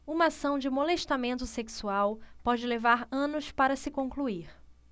uma ação de molestamento sexual pode levar anos para se concluir